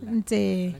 Nse